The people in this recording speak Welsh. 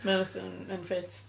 Be os dio'n unfit?